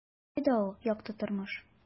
Кайда ул - якты тормыш? ..